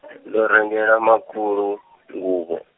ndo rengela makhulu , nguvho.